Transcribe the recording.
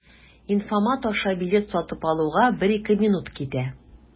Инфомат аша билет сатып алуга 1-2 минут китә.